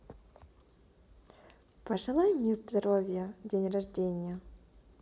пожелай мне здоровья день рождения